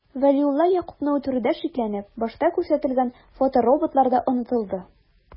Вәлиулла Ягъкубны үтерүдә шикләнеп, башта күрсәтелгән фотороботлар да онытылды...